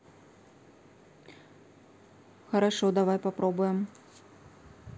хорошо давай попробуем